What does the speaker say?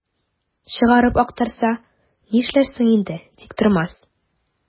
Чыгарып актарса, нишләрсең инде, Тиктормас?